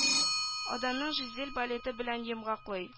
Аданның жизель балеты белән йомгаклый